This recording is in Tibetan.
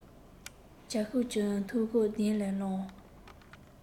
ཇ ཤུགས ཀྱིས འཐུང ཞོར གདན ལས ལངས